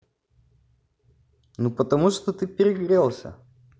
ну потому что ты перегрелся